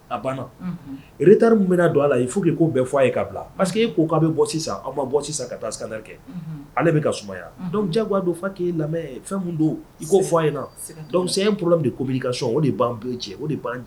A bana, unhun, , retard min bɛna don a la il faut que i k'o bɛɛ f 'a ye ka bila parce que e ko k'a bɛ bɔ sisan, aw ma bɔ sisan ka taa scanneur kɛ, ale bɛka sumaya, donc i diyagoiya don fɔ a ke lanmɛ fɛn min don, i k'o fɔ a ye. na donc c'est problème de communication o de b'an bɛɛ Jɛ, o de b'an cɛ